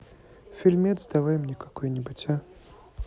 фильмец давай мне какой нибудь а